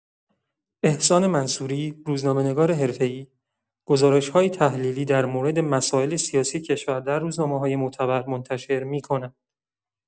احسان منصوری، روزنامه‌نگار حرفه‌ای، گزارش‌هایی تحلیلی در مورد مسائل سیاسی کشور در روزنامه‌های معتبر منتشر می‌کند.